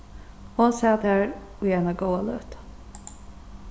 hon sat har í eina góða løtu